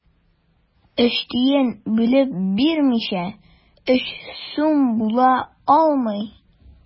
Өч тиен бүлеп бирмичә, өч сум була алмый.